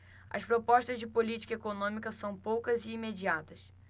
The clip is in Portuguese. as propostas de política econômica são poucas e imediatas